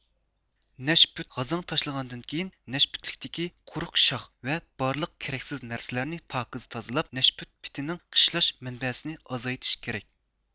نەشپۈت غازاڭ تاشلىغاندىن كېيىن نەشپۈتلۈكتىكى قۇرۇق شاخ ۋە بارلىق كېرەكسىز نەرسىلەرنى پاكىز تازىلاپ نەشپۈت پىتىنىڭ قىشلاش مەنبەسىنى ئازايتىش كېرەك